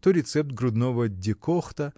то рецепт грудного декохта